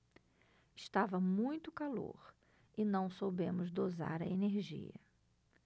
estava muito calor e não soubemos dosar a energia